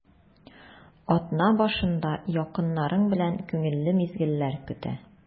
Атна башында якыннарың белән күңелле мизгелләр көтә.